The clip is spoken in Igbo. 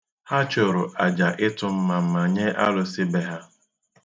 Ha chụrụ aja ịtụ mmamma nye alụsị be ha.